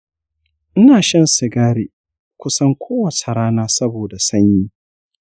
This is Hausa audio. ina shan sigari kusan kowace rana saboda sanyi.